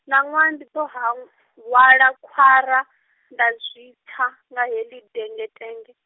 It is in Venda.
ṋaṅwaha ndi ḓo han , hwala khwara, nda zwipfa, nga heḽi dengetenge.